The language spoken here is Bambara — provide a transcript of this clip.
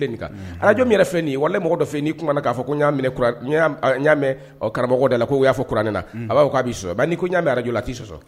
nin kan araj yɛrɛ fɛ nin wa mɔgɔ dɔ n'i k'a ko na mɛn karamɔgɔ da la ko y'a fɔ kouranin na a b'a ko a'i sɔrɔ a n' ɲaa mɛn araj la t' sɔsɔ